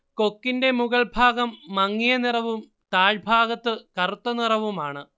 കൊക്കിന്റെ മുകൾഭാഗം മങ്ങിയ നിറവും താഴ്ഭാഗത്ത് കറുത്ത നിറവുമാണ്